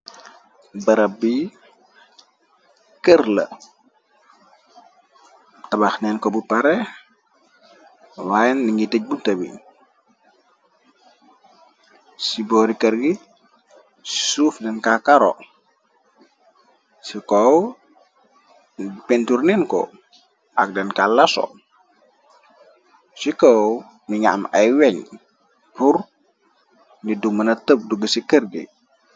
Barab bi kërla tabax neen ko bu pare waay ni ngi tëj bu tawiñ ci boori kërgi ci suuf den ka karo ci koow pentur neen ko ak den ka laso ci koow ni gna am ay weñ pur nitdu mëna tëb dug ci kërgi.